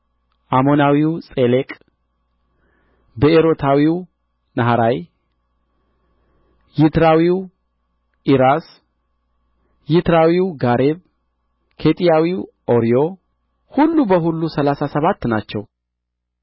አሞናዊው ጼሌቅ ብኤሮታዊው ነሃራይ ይትራዊው ዒራስ ይትራዊው ጋሬብ ኬጢያዊው ኦርዮ ሁሉ በሁሉ ሠላሳ ሰባት ናቸው